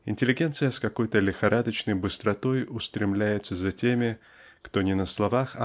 Интеллигенция с какой-то лихорадочной быстротой устремляется за теми кто не на словах